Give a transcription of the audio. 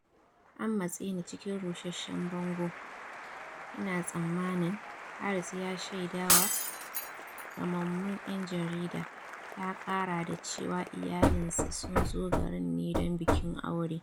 An matse ni cikin rusasshen bango, ina tsammanin, "Haris ya shaidawa Gamammun yan Jarida, ya kara da cewa iyalinsa sun zo garin ne don bikin aure.